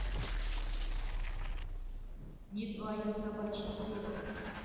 не твое собачье дело